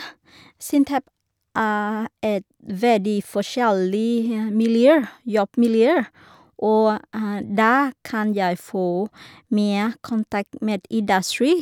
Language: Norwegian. Sintef er et veldig forskjellig miljø jobbmiljø, og der kan jeg få mer kontakt med industri.